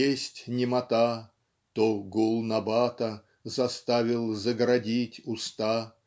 Есть немота - то гул набата Заставил заградить уста.